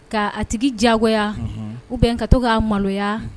Ka a tigi diyago u bɛn ka to k ka maloya